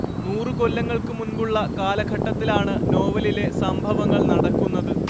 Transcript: നൂറു കൊല്ലങ്ങൾക്കുമുമ്പുള്ള കാലഘട്ടത്തിലാണ് നോവലിലെ സംഭവങ്ങൾ നടക്കുന്നത്